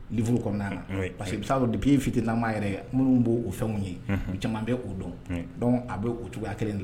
Uru kɔnɔna na parce que bɛ'a dɔn bi fitirina yɛrɛ ye minnu b'o o fɛnw ye caman bɛ'o dɔn dɔn a bɛ'o cogoyaya kelen de la